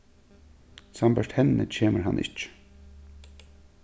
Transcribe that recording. sambært henni kemur hann ikki